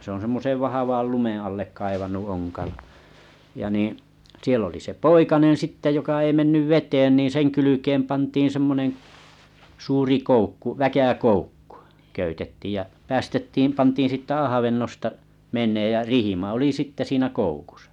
se on semmoisen vahvan lumen alle kaivanut onkalo ja niin siellä oli se poikanen sitten joka ei mennyt veteen niin sen kylkeen pantiin semmoinen suuri koukku väkäkoukku köytettiin ja päästettiin pantiin sitten avannosta menemään ja rihma oli sitten siinä koukussa